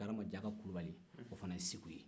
garanbajaka kulibali o fana ye segu ye